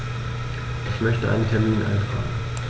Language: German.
Ich möchte einen Termin eintragen.